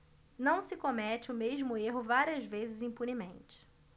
não se comete o mesmo erro várias vezes impunemente